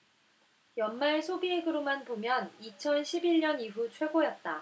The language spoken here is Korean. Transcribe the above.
연말 소비액으로만 보면 이천 십 일 년 이후 최고였다